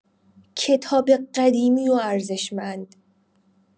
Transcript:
کتاب قدیمی و ارزشمند